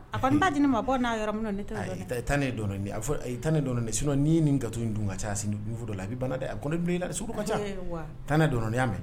A ko n' di ne ma bɔ n'a yɔrɔ ne taa i tan ne dɔn a i tan ne dɔn nin sun n' ye nin kato dun ka ca sin dɔ la i bɛ banda dɛ a bɛ i la s ka ca tan ne dɔnɔnin y'a mɛn